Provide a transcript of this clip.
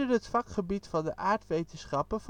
het vakgebied van de aardwetenschappen